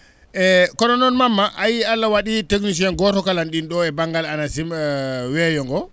eeyi kono noon Mamma Allah wa?ii technicien gooto kala ?in ?oo e ba?ngal ANACIM % weeyo ngoo